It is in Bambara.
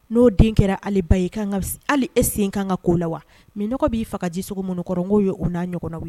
N'o den kɛra ba ye kan ka hali e sen ka kan ka ko la wa? minɔgɔ b'i faga ji sugu minnu kɔrɔ n k'o ye u n'a ɲɔgɔnnaw ye